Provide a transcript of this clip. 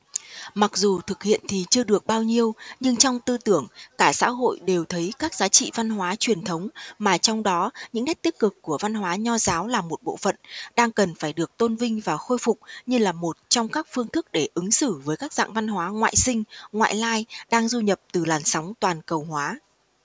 mặc dù thực hiện thì chưa được bao nhiêu nhưng trong tư tưởng cả xã hội đều thấy các giá trị văn hóa truyền thống mà trong đó những nét tích cực của văn hóa nho giáo là một bộ phận đang cần phải được tôn vinh và khôi phục như là một trong các phương thức để ứng xử với các dạng văn hóa ngoại sinh ngoại lai đang du nhập từ làn sóng toàn cầu hóa